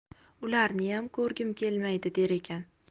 ularniyam ko'rgim kelmaydi der ekan